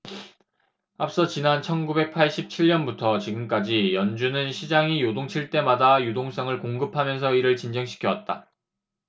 앞서 지난 천 구백 팔십 칠 년부터 지금까지 연준은 시장이 요동칠 때마다 유동성을 공급하면서 이를 진정시켜 왔다